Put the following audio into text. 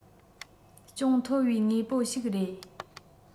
ཅུང མཐོ བའི དངོས པོ ཞིག རེད